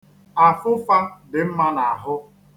Afụfa dị mma n'ahụ.